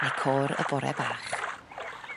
ne' côr y bore bach.